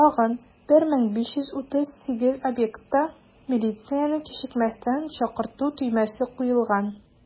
Тагын 1538 объектта милицияне кичекмәстән чакырту төймәсе куелган.